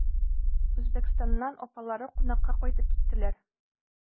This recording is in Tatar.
Үзбәкстаннан апалары кунакка кайтып киттеләр.